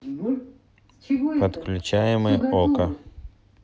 подключаемая okko